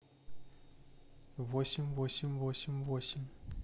восемь восемь восемь восемь